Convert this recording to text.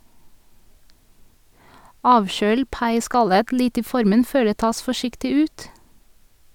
Avkjøl paiskallet litt i formen før det tas forsiktig ut.